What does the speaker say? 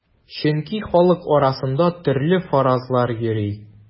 Чөнки халык арасында төрле фаразлар йөри.